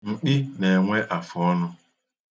Mkpi na-enwe afọ ọnụ.